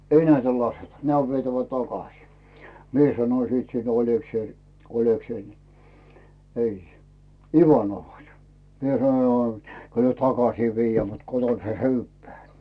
ei näitä lasketa nämä on vietävä takaisin minä sanon sitten siinä Olekseille Olekseille niin ei Ivanovhan se on minä sanoin no kyllä me takaisin viedään mutta kotona se syödään